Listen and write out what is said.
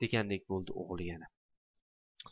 degandek bo'ldi o'g'li yana